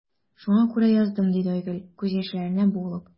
Шуңа күрә яздым,– диде Айгөл, күз яшьләренә буылып.